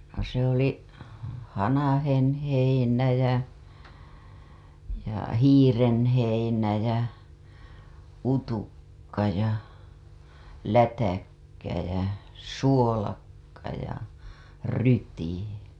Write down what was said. ja se oli hanhenheinä ja ja hiirenheinä ja utukka ja lätäkkä ja suolakka ja ryyti